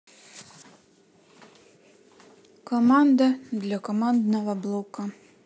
команда для командного блока